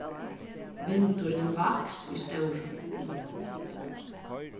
vindurin vaks í stórum